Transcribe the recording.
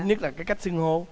nhất là cái cách xưng hô